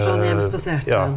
Trondheimsbasert ja.